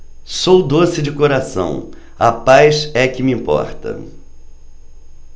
sou doce de coração a paz é que me importa